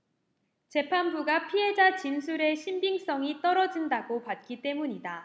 재판부가 피해자 진술의 신빙성이 떨어진다고 봤기 때문이다